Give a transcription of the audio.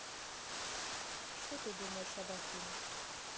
что ты думаешь об афине